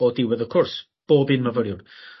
O diwedd o cwrs bob un myfyriwr.